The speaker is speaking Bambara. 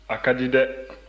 a ka di dɛ